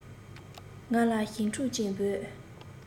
ང ལ ཞིམ ཕྲུག ཅེས འབོད